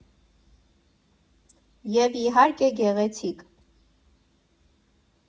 Եվ, իհարկե, գեղեցիկ։